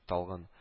Талгын